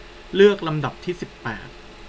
เลือกลำดับที่สิบแปด